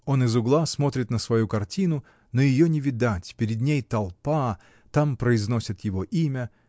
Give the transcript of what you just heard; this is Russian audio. Он из угла смотрит на свою картину, но ее не видать, перед ней толпа, там произносят его имя.